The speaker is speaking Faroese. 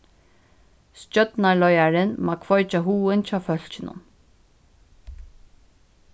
stjórnarleiðarin má kveikja hugin hjá fólkinum